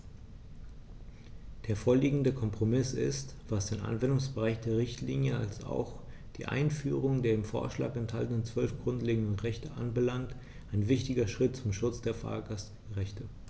Der vorliegende Kompromiss ist, was den Anwendungsbereich der Richtlinie als auch die Einführung der im Vorschlag enthaltenen 12 grundlegenden Rechte anbelangt, ein wichtiger Schritt zum Schutz der Fahrgastrechte.